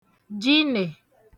jinè